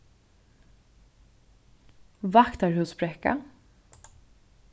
vaktarhúsbrekka